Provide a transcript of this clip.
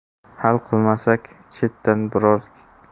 hal qilmasak chetdan birov